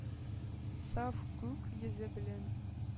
Саф күк йөзе белән